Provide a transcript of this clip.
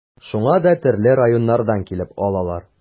Шуңа да төрле районнардан килеп алалар.